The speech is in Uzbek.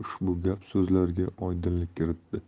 ushbu gap so'zlarga oydinlik kiritdi